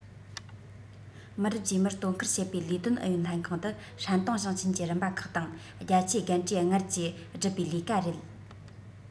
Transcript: མི རབས རྗེས མར དོ ཁུར བྱེད པའི ལས དོན ཨུ ཡོན ལྷན ཁང དུ ཧྲན ཏུང ཞིང ཆེན གྱི རིམ པ ཁག དང རྒྱ ཆེའི རྒན གྲས ལྔར ཀྱིས བསྒྲུབས པའི ལས ཀ རེད